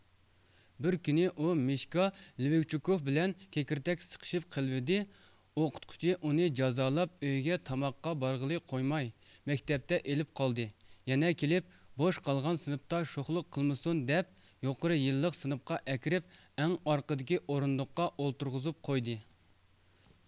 بىر كۈنى ئۇ مىشكا لىۋگچۇكوف بىلەن كېكىردەك سىقىشىپ قېلىۋىدى ئوقۇتقۇچى ئۇنى جازالاپ ئۆيگە تاماققا بارغىلى قويماي مەكتەپتە ئېلىپ قالدى يەنە كېلىپ بوش قالغان سىنىپتا شوخلۇق قىلمىسۇن دەپ يۇقىرى يىللىق سىنىپقا ئەكىرىپ ئەڭ ئارقىدىكى ئورۇندۇققا ئولتۇرغۇزۇپ قويدى